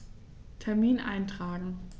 Termin eintragen